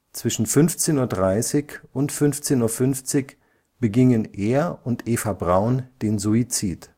Zwischen 15:30 und 15:50 Uhr begingen er und Eva Braun den Suizid